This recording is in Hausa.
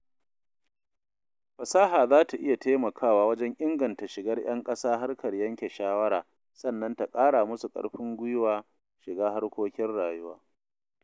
Fasaha za ta iya taimakawa wajen inganta shigar 'yan ƙasa harkar yanke shawara sannan ta ƙara musu ƙarfin gwiwar shiga harkokin rayuwa.